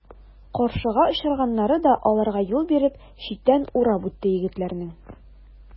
Каршы очраганнары да аларга юл биреп, читтән урап үтте егетләрнең.